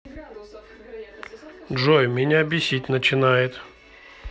джой меня бесить начинает